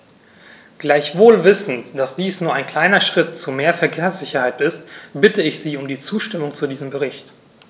Gleichwohl wissend, dass dies nur ein kleiner Schritt zu mehr Verkehrssicherheit ist, bitte ich Sie um die Zustimmung zu diesem Bericht.